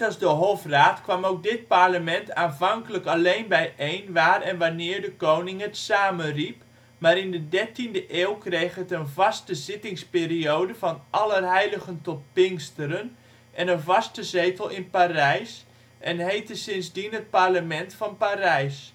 als de hofraad kwam ook dit parlement aanvankelijk alleen bijeen waar en wanneer de koning het samenriep, maar in de 13e eeuw kreeg het een vaste zittingsperiode van Allerheiligen tot Pinksteren en een vaste zetel in Parijs en heette sindsdien het Parlement van Parijs.